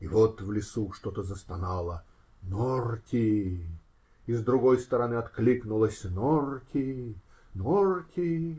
И вот в лесу что-то застонало: "Норти!" И с другой стороны откликнулось: "Норти! Норти!